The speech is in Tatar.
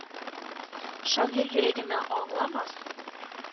Шагыйрь йөрәгеме аңламас?